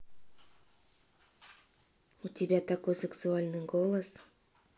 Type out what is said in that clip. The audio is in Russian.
у тебя такой сексуальный голос